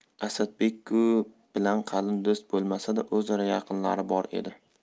asadbek u bilan qalin do'st bo'lmasa da o'zaro yaqinliklari bor edi